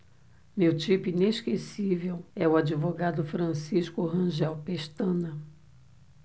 meu tipo inesquecível é o advogado francisco rangel pestana